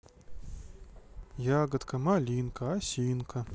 ягодка малинка осинка